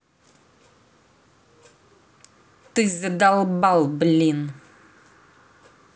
ты задолбал блин